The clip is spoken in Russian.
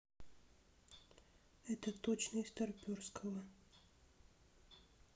это точный старперского